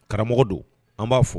Karamɔgɔ don an b'a fo